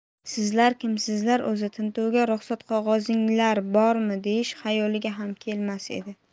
sizlar kimsizlar o'zi tintuvga ruxsat qog'ozinglar bormi deyish xayoliga ham kelmas edi